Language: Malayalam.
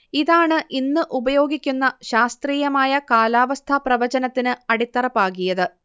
ഇതാണ് ഇന്ന് ഉപയോഗിക്കുന്ന ശാസ്ത്രീയമായ കാലാവസ്ഥാപ്രവചനത്തിന് അടിത്തറ പാകിയത്